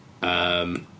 Yym.